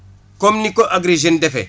comme ni ko Agri Jeune defee